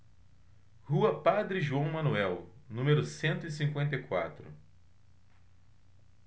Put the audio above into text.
rua padre joão manuel número cento e cinquenta e quatro